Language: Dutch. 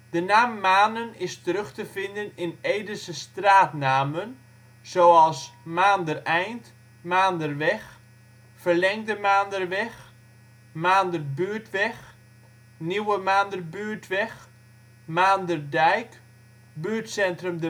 De naam Manen is terug te vinden in Edese straatnamen als: Maandereind, Maanderweg, Verlengde Maanderweg, Maanderbuurtweg, Nieuwe Maanderbuurtweg, Maanderdijk, buurtcentrum